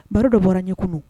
Baro dɔ bɔra n ye kunun